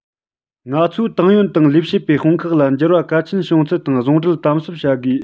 ང ཚོའི ཏང ཡོན དང ལས བྱེད པའི དཔུང ཁག ལ འགྱུར བ གལ ཆེན བྱུང ཚུལ དང ཟུང འབྲེལ དམ ཟབ བྱ དགོས